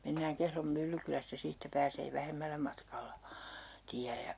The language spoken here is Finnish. mennään Kehron Myllykylästä siitä pääsee vähemmällä matkalla tie ja